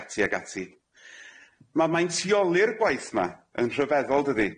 Ma' maentioli'r gwaith 'ma yn rhyfeddol dydi?